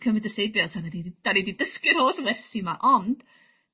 cymyd y seibiant a ni 'di 'dan ni 'di dysgu'r holl wersi 'ma ond dyna